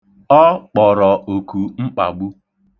Ọ kpọrọ oku mkpagbu.